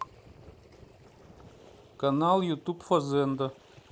канал ютуб фазенда